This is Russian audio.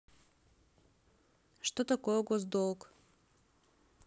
что такое госдолг